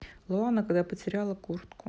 луана когда потеряла куртку